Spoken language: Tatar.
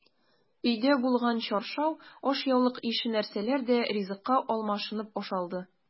Өйдә булган чаршау, ашъяулык ише нәрсәләр дә ризыкка алмашынып ашалды.